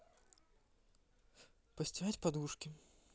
постирать подушки